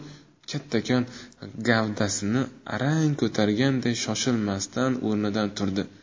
kattakon gavdasini arang ko'targanday shoshilmasdan o'rnidan turdi